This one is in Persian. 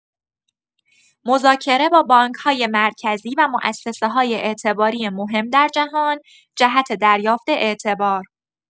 مذاکره با بانک‌های مرکزی و موسسه‌های اعتباری مهم در جهان، جهت دریافت اعتبار.